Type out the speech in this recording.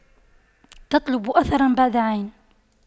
تطلب أثراً بعد عين